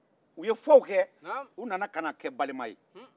u ye fɔw kɛ u nana kana kɛ balenma ye